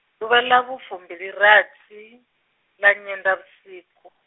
ḓuvha ḽa vhufumbilirathi, ḽa nyendavhusiku.